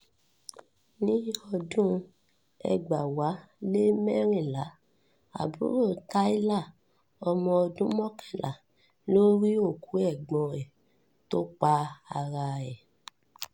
Ní ọdún 2014, àbúrò Tyler, ọmo-ọdún 11, ló rí òkú ẹ̀gbọ́n ẹ̀ tó pa ara ẹ̀.